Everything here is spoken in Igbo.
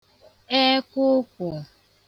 ẹkwụkwụ̀